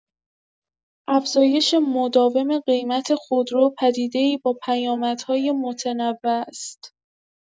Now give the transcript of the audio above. افزایش مداوم قیمت خودرو پدیده‌ای با پیامدهای متنوع است.